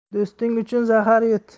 do'sting uchun zahar yut